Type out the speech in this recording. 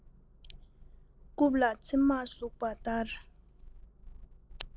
རྐུབ ལ ཚེར མ ཟུག པ ལྟར